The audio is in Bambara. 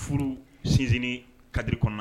Furu sinsineni kadiri kɔnɔna